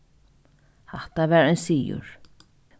hatta var ein sigur